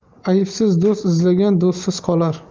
aybsiz do'st izlagan do'stsiz qolar